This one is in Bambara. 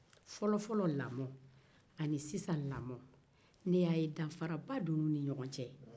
fɔlɔfɔlɔ lamɔ ani sisan lamɔ ne y'a ye danfaraba de b'u ni ɲɔgɔn cɛ